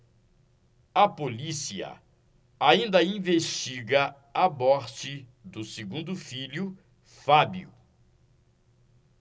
a polícia ainda investiga a morte do segundo filho fábio